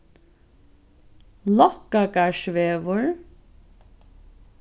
lokkagarðsvegur